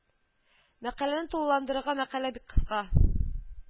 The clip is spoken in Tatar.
Мәкаләне тулыландырырга мәкалә бик кыска